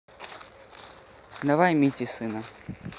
давай мити сына